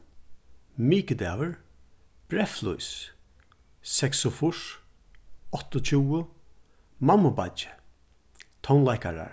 mikudagur breyðflís seksogfýrs áttaogtjúgu mammubeiggi tónleikarar